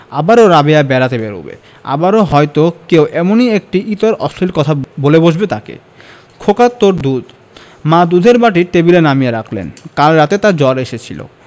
আবারও রাবেয়া বেড়াতে বেরুবে আবারো হয়তো কেউ এমনি একটি ইতর অশ্লীল কথা বলে বসবে তাকে খোকা তোর দুধ মা দুধের বাটি টেবিলে নামিয়ে রাখলেন কাল রাতে তার জ্বর এসেছিল